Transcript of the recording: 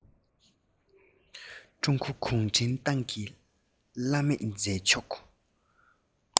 ཀྲུང གོ གུང ཁྲན ཏང གི བླ མེད མཛད ཕྱོགས